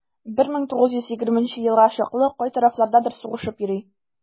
1920 елга чаклы кай тарафлардадыр сугышып йөри.